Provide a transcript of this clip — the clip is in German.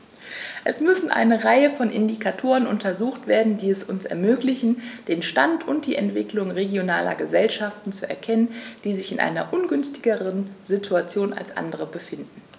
Es müssen eine Reihe von Indikatoren untersucht werden, die es uns ermöglichen, den Stand und die Entwicklung regionaler Gesellschaften zu erkennen, die sich in einer ungünstigeren Situation als andere befinden.